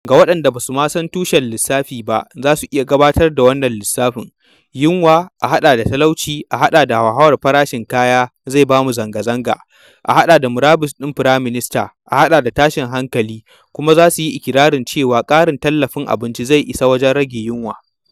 Ga waɗanda ba su ma san tushen lissafi ba za su iya gabatar da wannan lissafi: yunwa + talauci + hauhawar farashin kaya = zanga-zanga + murabus ɗin Firayim Minista + tashin hankali, kuma za su yi iƙirarin cewa ƙarin tallafin abinci zai isa wajen rage yunwa.